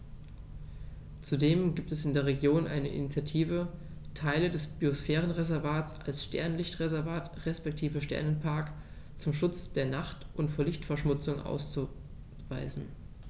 Zudem gibt es in der Region eine Initiative, Teile des Biosphärenreservats als Sternenlicht-Reservat respektive Sternenpark zum Schutz der Nacht und vor Lichtverschmutzung auszuweisen.